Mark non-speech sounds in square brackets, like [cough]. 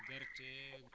gerte [hesitation]